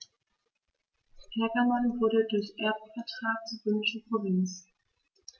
Pergamon wurde durch Erbvertrag zur römischen Provinz.